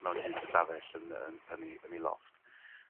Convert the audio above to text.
mewn un stafell yn yn yn 'i yn 'i lofft